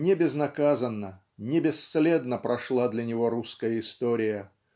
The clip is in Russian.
Не безнаказанно, не бесследно прошла для него русская история